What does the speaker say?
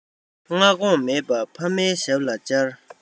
སྔ དགོང མེད པ ཕ མའི ཞབས ལ བཅར